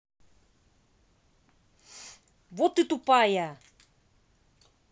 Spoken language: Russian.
вот ты тупая